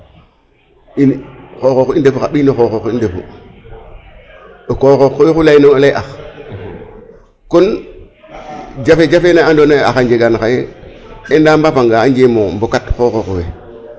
In xooxoox i ndefu xa ɓiy no xooxoox i ndefu to o xooxoox koy oxu layna i lay ax kon jafe jefe nene andoona yee a njegan xaye ENDA mbafanga a njema mbokat xooxoox we.